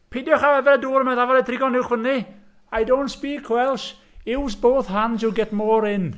Peidiwch â yfed y dŵr yna, mae yna ddafad 'di trigo'n uwch i fyny. I don't speak Welsh. Use both hands, you'll get more in.